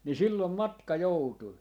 niin silloin matka joutui